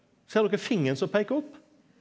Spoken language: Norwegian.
ser dokker fingeren som peikar opp?